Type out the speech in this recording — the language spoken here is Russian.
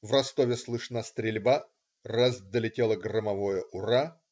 В Ростове слышна стрельба, раз долетело громовое "ура".